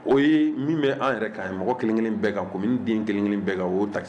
O ye min bɛ an yɛrɛ ka ye mɔgɔ kelen kelen bɛɛ kan ko min den kelen kelen bɛ kan oo ta